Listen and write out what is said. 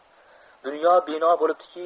dunyo bino bo'libdiki